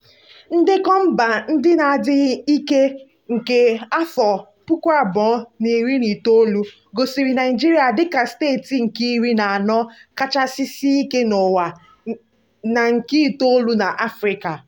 Ndekọ Mba Ndị Na-adịghị Ike nke 2019 gosiri Naịjirịa dịka steeti nke iri na anọ kachasị sie ike n'ụwa na nke itoolu n'Africa.